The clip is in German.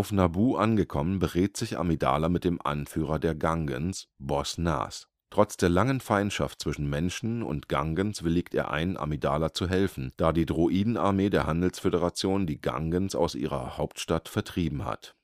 Naboo angekommen, berät sich Amidala mit dem Anführer der Gunganer, Boss Nass. Trotz der langen Feindschaft zwischen Menschen und Gunganern willigt er ein, Amidala zu helfen, da die Droidenarmee der Handelsföderation die Gungans aus ihrer Hauptstadt vertrieben hat